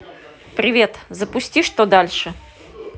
привет запусти что дальше